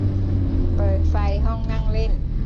เปิดไฟห้องนั่งเล่น